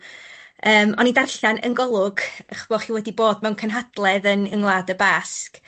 yym o'n i'n darllan yn Golwg, c'ych bo' chi wedi bod mewn cynhadledd yn yng Ngwlad y Basg.